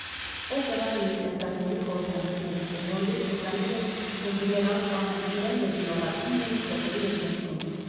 Օպերան երիտասարդների խորհրդանիշներից էր, ռոլիկ, հեծանիվ էինք քշում, բումերանգ խաղում, շներին լճում լողացնում էինք, խոտերի մեջ նստում։